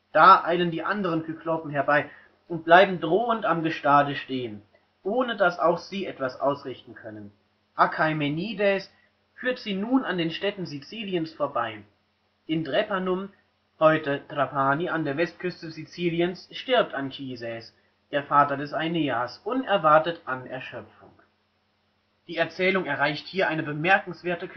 Da eilen die anderen Kyklopen herbei und bleiben drohend am Gestade stehen, ohne dass auch sie etwas ausrichten könnten. Achaemenides führt sie nun an den Städten Siziliens vorbei. In Drepanum (heute Trapani) an der Westküste Siziliens stirbt Anchises, der Vater des Aeneas, unerwartet an Erschöpfung. Die Erzählung erreicht hier eine bemerkenswerte